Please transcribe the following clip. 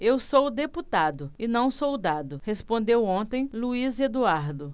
eu sou deputado e não soldado respondeu ontem luís eduardo